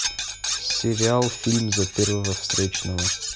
сериал фильм за первого встречного